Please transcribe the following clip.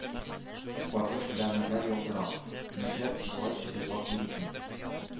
Каргыш-ләгънәтләр яудырам. нишләп болай җырлап йөрисең?